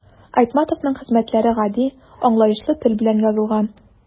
Айтматовның хезмәтләре гади, аңлаешлы тел белән язылган.